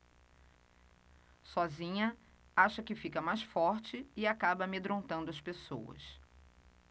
sozinha acha que fica mais forte e acaba amedrontando as pessoas